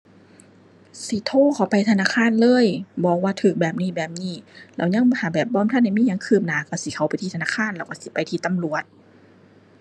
สิโทรเข้าไปธนาคารเลยบอกว่าถูกแบบนี้ แบบนี้ แล้วยังถ้าแบบบ่ทันได้มีหยังคืบหน้าถูกสิเข้าไปที่ธนาคารแล้วถูกสิไปที่ตำรวจ